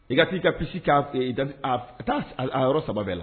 I ka t' i ka psi k'a fɛ taa yɔrɔ saba bɛɛ la